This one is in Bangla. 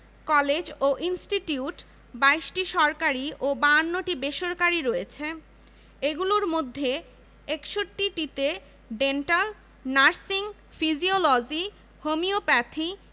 ইতিহাসবিদ রমেশচন্দ্র মজুমদার ড. মুহাম্মদ শহীদুল্লাহ মোঃ আবদুল হাই মুনির চৌধুরী জ্যোতির্ময় গুহঠাকুরতা